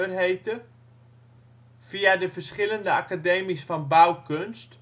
heette. via de verschillende Academies van Bouwkunst